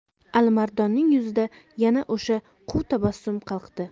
alimardonning yuzida yana o'sha quv tabassum qalqdi